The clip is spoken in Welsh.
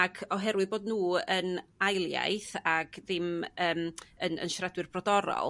Ac oherwydd bo' n'w yn ail iaith ag ddim yym yn yn siaradwyr brodorol